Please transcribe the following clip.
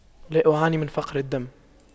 لا أعاني من فقر الدم